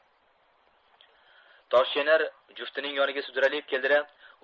toshchaynar juftining yoniga sudralib keldi da